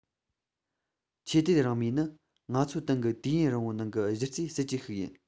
ཆོས དད རང མོས ནི ང ཚོའི ཏང གི དུས ཡུན རིང པོའི ནང གི གཞི རྩའི སྲིད ཇུས ཤིག ཡིན